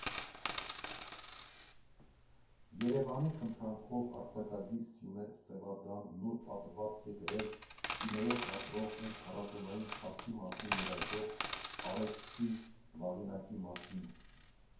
ԵՐԵՎԱՆի խնդրանքով արձակագիր Սյունե Սևադան նոր պատմվածք է գրել կինոյով ապրող ու փառատոնային փառքի մասին երազող արեշցի Վաղինակի մասին։